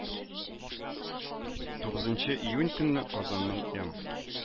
Тугызынчы июнь көнне казанның эм